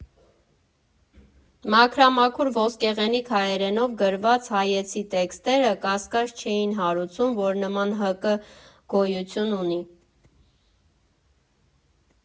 Մաքրամաքուր ոսկեղենիկ հայերենով գրված հայեցի տեքստերը կասկած չէին հարուցում, որ նման ՀԿ գոյություն ունի։